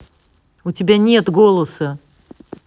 у тебя нет голоса